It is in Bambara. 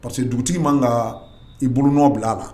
Parce que dugutigi man kan ki bolo nɔ bila a la.